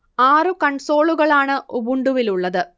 ആറു കൺസോളുകളാണ് ഉബുണ്ടുവിലുള്ളത്